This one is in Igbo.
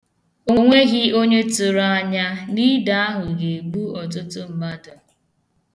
O nweghị onye turu anya na ide ahụ ga-egbu ọtụtụ mmadụ.